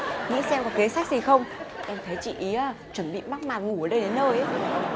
nghĩ xem có kế sách gì không em thấy chị í á chuẩn bị mắc màn ngủ ở đây đến nơi ấy